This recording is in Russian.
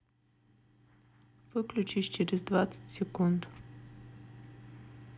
выключись через двадцать секунд